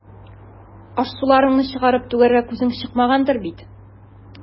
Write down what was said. Аш-суларыңны чыгарып түгәргә күзең чыкмагандыр бит.